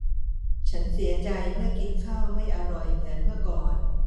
ฉันเสียใจเมื่อกินข้าวไม่อร่อยเหมือนเมื่อก่อน